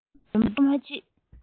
ཞོལ ལ མགྲོན པོ མ མཆིས